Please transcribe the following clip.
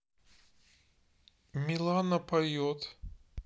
милана поет